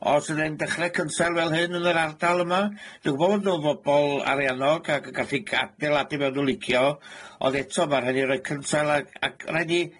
Os yden ni'n dechre cynsail fel hyn yn yr ardal yma, dwi'n gwbod bo' nw'n fobol ariannog ac yn gallu gadeiladu fel nw'n licio, ond eto ma' rhaid ni roi cynsail ag ac rhaid ni